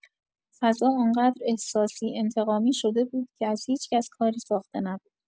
فضا آنقدر احساسی، انتقامی شده بود که از هیچکس کاری ساخته نبود.